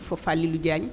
feu Falilou Diagne